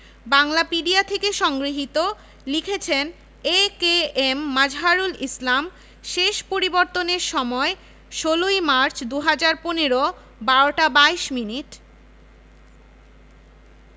বাংলাপিডিয়া থেকে সংগৃহীত লিখেছেনঃ এ.কে.এম মাযহারুল ইসলাম শেষ পরিবর্তনের সময় ১৬ মার্চ ২০১৫ ১২টা ২২ মিনিট